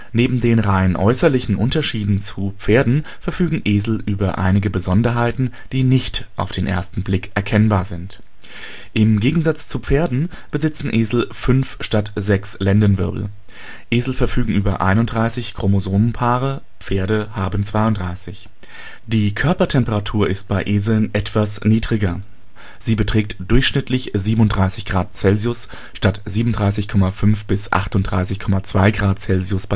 Neben den rein äußerlichen Unterschieden zu Pferden verfügen Esel über einige Besonderheiten, die nicht auf den ersten Blick erkennbar sind. Im Gegensatz zu Pferden besitzen Esel 5 statt 6 Lendenwirbel. Esel verfügen über 31 Chromosomenpaare, Pferde haben 32. Die Körpertemperatur ist bei Eseln etwas niedriger, sie beträgt durchschnittlich 37 °C statt 37,5 bis 38,2 °C